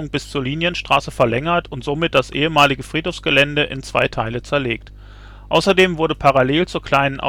bis zur Linienstraße verlängert und somit das ehemalige Friedhofsgelände in zwei Teile zerlegt. Außerdem wurde parallel zur Kleinen